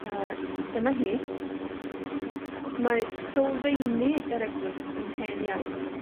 A dyma hi. Mae sylfaeni yr eglwys yn hen iawn.